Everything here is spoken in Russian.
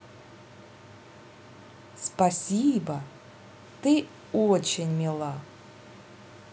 спасибо ты очень мила